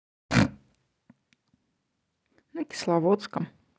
на кисловском